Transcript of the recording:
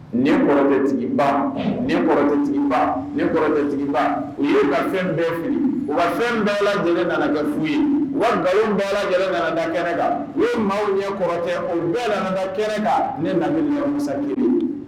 Ne kɔrɔkɛtigiba, ne kɔrɔkɛtigiba, ne kɔrɔkɛtigiba u ye fɛn bɛɛ fili, u ka fɛn bɛɛ lajɛlen nana kɛ fu ye , u bɛɛ lajɛlen nana da kɛrɛfɛ, u ka nkalon bɛɛ nana da kɛnɛ kan, u ye maaw lakɔrɔtɛ